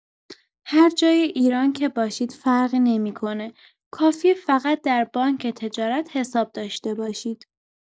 هرجای ایران که باشید فرقی نمی‌کنه، کافیه فقط در بانک تجارت حساب داشته باشید!